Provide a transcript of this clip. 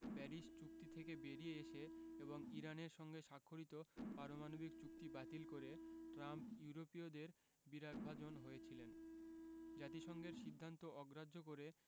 Paris চুক্তি থেকে বেরিয়ে এসে এবং ইরানের সঙ্গে স্বাক্ষরিত পারমাণবিক চুক্তি বাতিল করে ট্রাম্প ইউরোপীয়দের বিরাগভাজন হয়েছিলেন জাতিসংঘের সিদ্ধান্ত অগ্রাহ্য করে